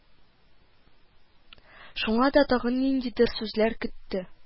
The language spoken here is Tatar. Шуңа да тагын ниндидер сүзләр көтте